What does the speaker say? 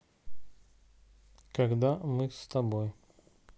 когда мы с тобой